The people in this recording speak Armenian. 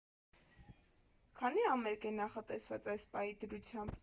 Քանի՞ համերգ է նախատեսված այս պահի դրությամբ։